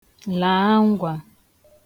làa ǹgwā